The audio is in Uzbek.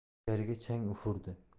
ichkariga chang ufurdi